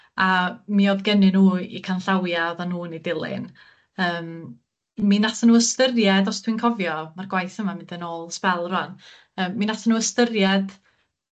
a mi o'dd gennyn nw 'u canllawia oddan nw yn 'u dilyn yym mi nathon nw ystyried, os dwi'n cofio, ma'r gwaith yma'n mynd yn ôl sbel rŵan yym mi nathon nw ystyriad